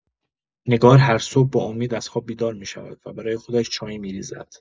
نگار هر صبح با امید از خواب بیدار می‌شود و برای خودش چای می‌ریزد.